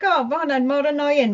God, ma' hwn yn mor annoyin'